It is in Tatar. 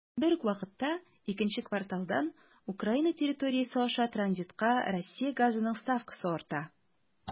Бер үк вакытта икенче кварталдан Украина территориясе аша транзитка Россия газының ставкасы арта.